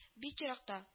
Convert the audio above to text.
Бик еракта